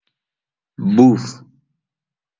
بوف